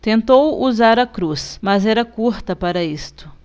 tentou usar a cruz mas era curta para isto